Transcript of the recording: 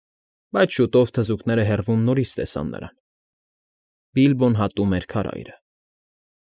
Բայց շուտով թզուկները հեռվում նորից տեսան նրան. Բիլբոն հատում էր քարայրը։